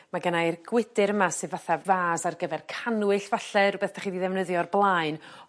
Mae gennai'r gwydyr yma sef fatha fas ar gyfer canwyll falle rwbeth dach chi 'di ddefnyddio o'r blaen